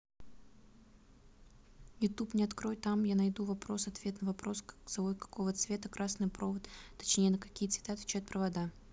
youtube не открой там я найду вопрос ответ на вопрос свой какого цвета красный провод точнее на какие цвета отвечают провода